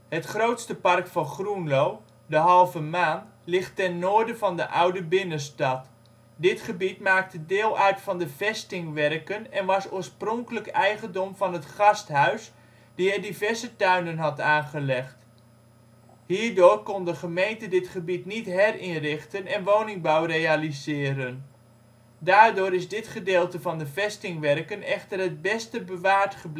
Het grootste park van Groenlo, de Halve Maan ligt ten noorden van de oude binnenstad. Dit gebied maakte deel uit van de vestingwerken en was oorspronkelijk eigendom van het gasthuis die er diverse tuinen had aangelegd. Hierdoor kon de gemeente dit gebied niet herinrichten en woningbouw realiseren. Daardoor is dit gedeelte van de vestingwerken echter het beste bewaard